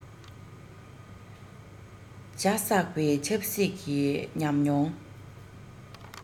ཛ བསགས པའི ཆབ སྲིད ཀྱི ཉམས མྱོང